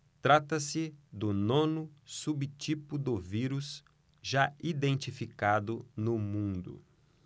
trata-se do nono subtipo do vírus já identificado no mundo